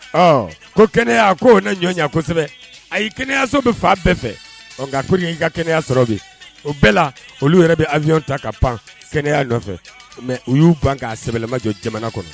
Ɔ ko kɛnɛya k o ne ɲɔ ye kosɛbɛ a ye kɛnɛyayaso bɛ fa bɛɛ fɛ nka nka ko ka kɛnɛyaya sɔrɔ bi o bɛɛ la olu yɛrɛ bɛ awyw ta ka pan sɛnɛya nɔfɛ mɛ u y'u ban k'a sɛbɛnbɛɛlɛmajɔ jamana kɔnɔ